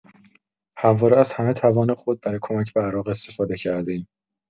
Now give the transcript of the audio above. همواره از همه توان خود برای کمک به عراق استفاده کرده‌ایم.